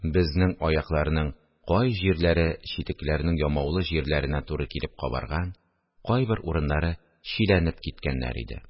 Безнең аякларның кай җирләре читекләрнең ямаулы җирләренә туры килеп кабарган, кайбер урыннары чиләнеп киткәннәр иде